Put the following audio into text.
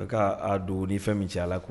A ka' don ni fɛn min cɛ la kuwa